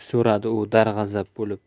so'radi u darg'azab bo'lib